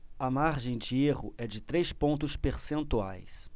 a margem de erro é de três pontos percentuais